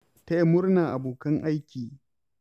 Taya murna abokan aiki